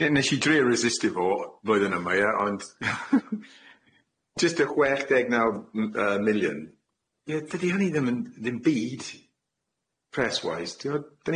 Ie nesh i drio resistio fo flwyddyn yma ie ond jyst y chwech deg naw m- yy million. Ie dydi hynny ddim yn ddim byd press wise t'od?